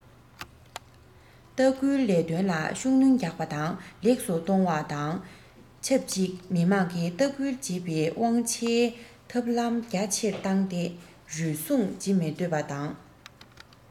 ལྟ སྐུལ ལས དོན ལ ཤུགས སྣོན རྒྱག པ དང ལེགས སུ གཏོང བ དང ཆབས ཅིག མི དམངས ཀྱིས ལྟ སྐུལ བྱེད པའི དབང ཆའི ཐབས ལམ རྒྱ ཆེར བཏང སྟེ རུལ སུངས བྱེད མི འདོད པ དང